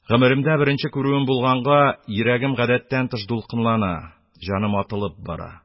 Гомеремдә беренче күрүем булганга, йөрәгем гадәттән тыш дулкынлана, җаным атылып бара...